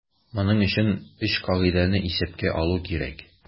Моның өчен өч кагыйдәне исәпкә алу кирәк.